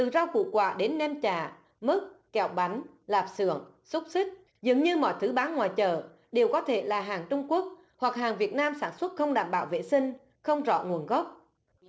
từ rau củ quả đến nem chả mứt kẹo bánh lạp xưởng xúc xích dường như mọi thứ bán ngoài chợ đều có thể là hàng trung quốc hoặc hàng việt nam sản xuất không đảm bảo vệ sinh không rõ nguồn gốc